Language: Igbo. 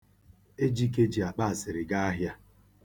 Ejike ji akpasịrị ga ahịa.